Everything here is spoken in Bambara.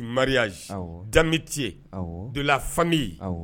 Maria danbebiti dɔla fan ye